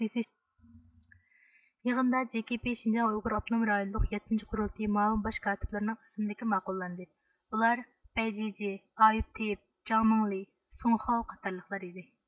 يىغىندا جې كې پې شىنجاڭ ئۇيغۇر ئاپتونوم رايونلۇق يەتتىنچى قۇرۇلتىيى مۇئاۋىن باش كاتىپلىرىنىڭ ئىسىملىكى ماقۇللاندى ئۇلار بەيجىجيې ئايۇپ تېيىپ جاڭمىڭلى سۇڭخاۋ قاتارلىقلار ئىدى